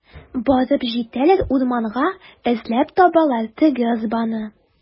Барып җитәләр урманга, эзләп табалар теге ызбаны.